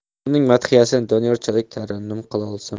uning madhiyasini doniyorchalik tarannum qilolsam edi